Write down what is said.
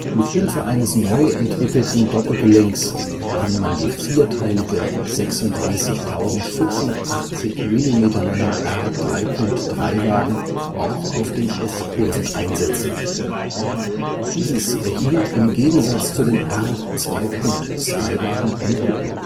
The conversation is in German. Mithilfe eines neu entwickelten Doppelgelenks kann man die vierteilige 36.580 Millimeter langen R-3.3-Wagen auch auf den S-Kurven einsetzen. Dieses erhielt im Gegensatz zu den R-2.2-Wagen eine Kupplung